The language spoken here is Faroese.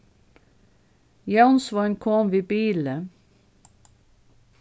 jónsvein kom við bili